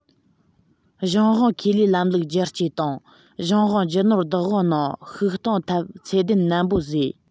གཞུང དབང ཁེ ལས ལམ ལུགས བསྒྱུར བཅོས དང གཞུང དབང རྒྱུ ནོར བདག དབང ནང བཤུག གཏོང ཐབས ཚད ལྡན ནན པོ བཟོས